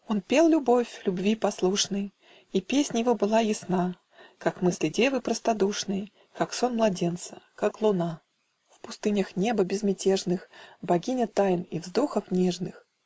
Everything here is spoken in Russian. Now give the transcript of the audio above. Он пел любовь, любви послушный, И песнь его была ясна, Как мысли девы простодушной, Как сон младенца, как луна В пустынях неба безмятежных, Богиня тайн и вздохов нежных.